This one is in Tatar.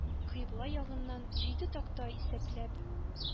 Кыйбла ягыннан җиде такта исәпләп,